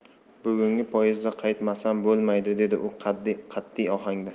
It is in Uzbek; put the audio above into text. bugungi poezdda qaytmasam bo'lmaydi dedi u qat'iy ohangda